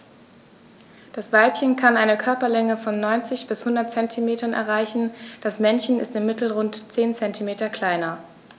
Das Weibchen kann eine Körperlänge von 90-100 cm erreichen; das Männchen ist im Mittel rund 10 cm kleiner.